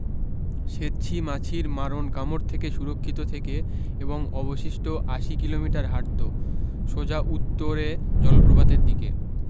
সেতসী মাছির মারণ কামড় থেকে সুরক্ষিত থেকে এবং অবশিষ্ট আশি কিলোমিটার হাঁটত সোজা উত্তরে জলপ্রপাতের দিকে